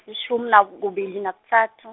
lishumi naku kubili nakutsatfu.